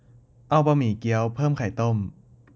เอาบะหมี่เกี๊ยวเพิ่มไข่ต้ม